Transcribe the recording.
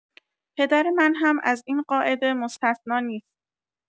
پدر من هم از این قاعده مستثنی نسیت.